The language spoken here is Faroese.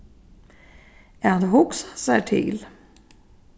at hugsa sær til